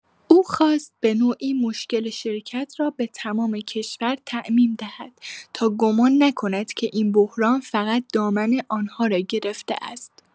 او خواست به‌نوعی مشکل شرکت را به تمام کشور تعمیم دهد تا گمان نکند که این بحران فقط دامن آن‌ها را گرفته است.